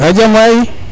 yunga jam way?